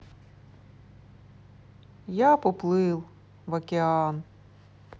я б уплыл в океан